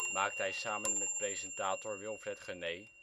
maakt hij samen met presentator Wilfred Genee